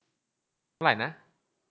เท่าไรนะ